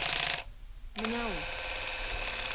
Менә ул.